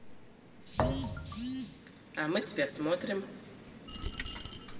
а мы тебя смотрим